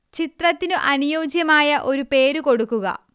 ചിത്രത്തിനു അനുയോജ്യമായ ഒരു പേരു കൊടുക്കുക